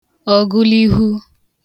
ọ̀gụliihu